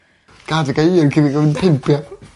Gad y cyn i mi ddod yn pimp ie?